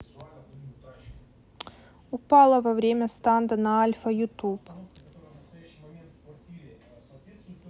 упала во время станда на альфа youtube